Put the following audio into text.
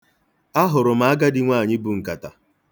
Ahụrụ m agadi nwaanyị bu nkata.